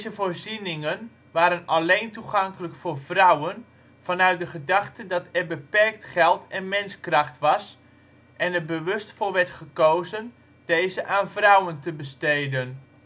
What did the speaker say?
voorzieningen waren alleen toegankelijk voor vrouwen vanuit de gedachte dat er beperkt geld en menskracht was en er bewust voor werd gekozen deze aan vrouwen te besteden